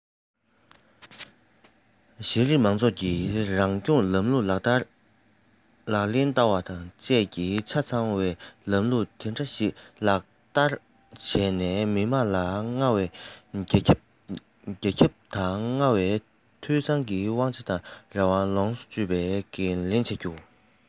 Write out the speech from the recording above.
གཞི རིམ མང ཚོགས ཀྱི རང སྐྱོང ལམ ལུགས ལག ལེན བསྟར བ བཅས ལ ཆ ཚང བའི ལམ ལུགས དེ འདྲ ཞིག ལག ལེན བསྟར ན མི དམངས ལ སྔར བས རྒྱ ཁྱབ དང སྔར བས འཐུས ཚང གི དབང ཆ དང རང དབང ལོངས སུ སྤྱོད པའི འགན ལེན ནུས ལྡན ཐུབ སྟེ འགན ལེན ཡོང རྒྱུ དང